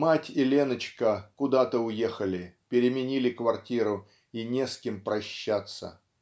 Мать и Леночка куда-то уехали переменили квартиру и не с кем прощаться.